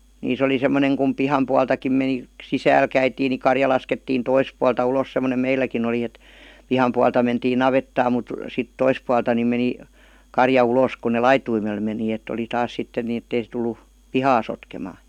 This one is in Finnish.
niissä oli semmoinen kun pihan puoltakin meni sisälle käytiin niin karja laskettiin toista puolta ulos semmoinen meilläkin oli että pihan puolta mentiin navettaan mutta sitten toista puolta niin meni karja ulos kun ne laitumelle meni että oli taas sitten niin että ei se tullut pihaa sotkemaan